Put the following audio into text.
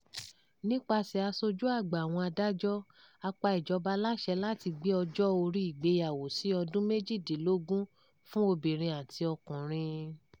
Nípasẹ̀ aṣojú àgbà àwọn adájọ́, a pa ìjọba láṣẹ láti gbé ọjọ́ orí ìgbéyàwó sí ọdún méjìdínlógún fún obìnrin àti ọkùnrin.